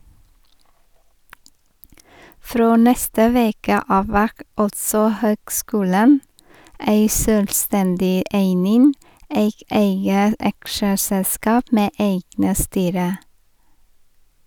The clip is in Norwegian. Frå neste veke av vert altså høgskulen ei sjølvstendig eining, eit eige aksjeselskap med eige styre.